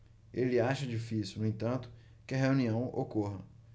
ele acha difícil no entanto que a reunião ocorra